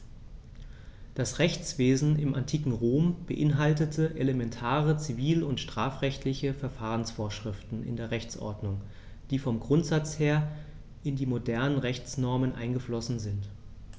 Das Rechtswesen im antiken Rom beinhaltete elementare zivil- und strafrechtliche Verfahrensvorschriften in der Rechtsordnung, die vom Grundsatz her in die modernen Rechtsnormen eingeflossen sind.